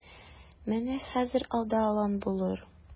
Менә хәзер алда алан булыр.